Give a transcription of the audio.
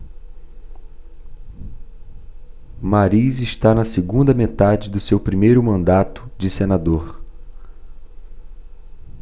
mariz está na segunda metade do seu primeiro mandato de senador